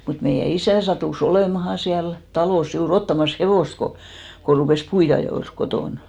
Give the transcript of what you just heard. mutta meidän isä sattui olemaan siellä talossa juuri ottamassa hevosta kun kun rupesi puidenajolle sitten kotona